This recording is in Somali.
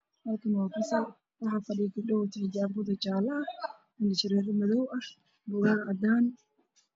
Halkaan waa fasal waxaa fadhiyo gabdho wato xijaab jaale ah, indho shareer madow iyo buugag cadaan ah.